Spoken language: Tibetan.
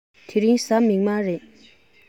དེ རིང གཟའ མིག དམར རེད